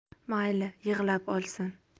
mayli yig'lab olsin